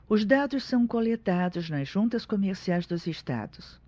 os dados são coletados nas juntas comerciais dos estados